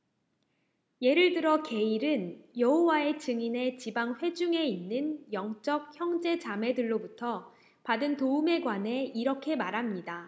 예를 들어 게일은 여호와의 증인의 지방 회중에 있는 영적 형제 자매들로부터 받은 도움에 관해 이렇게 말합니다